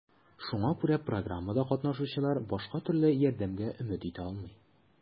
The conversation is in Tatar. Шуңа күрә программада катнашучылар башка төрле ярдәмгә өмет итә алмый.